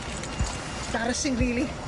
Barrassing rili.